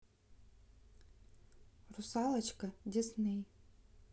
русалочка дисней